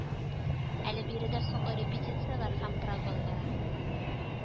Әле биредә соңгы репетицияләр һәм прогон бара